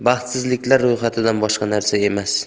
va baxtsizliklar ro'yxatidan boshqa narsa emas